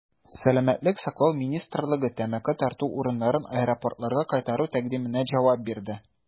Сәламәтлек саклау министрлыгы тәмәке тарту урыннарын аэропортларга кайтару тәкъдименә җавап бирде.